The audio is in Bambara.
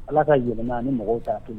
Allah ka yɛlɛma ani mɔgɔw ta tɛ kelen ye.